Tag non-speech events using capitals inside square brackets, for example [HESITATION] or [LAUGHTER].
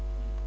[HESITATION] [HESITATION]